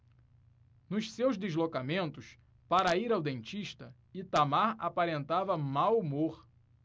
nos seus deslocamentos para ir ao dentista itamar aparentava mau humor